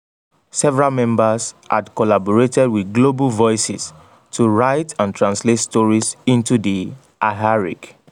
Several members had collaborated with Global Voices to write and translate stories into the Amharic.